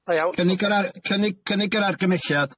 O iawn. cynnig yr ar- cynnig cynnig yr argymelliad.